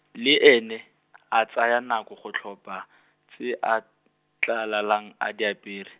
le ene , a tsaya nako go tlhopha, tse a, tla lalang a di apere.